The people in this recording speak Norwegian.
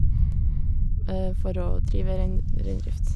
For å drive reind reindrift.